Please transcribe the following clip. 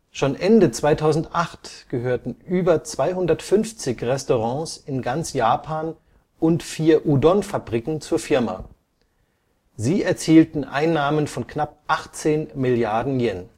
Schon Ende 2008 gehörten über 250 Restaurants in ganz Japan und vier Udon-Fabriken zur Firma. Sie erzielten Einnahmen von knapp 18 Milliarden Yen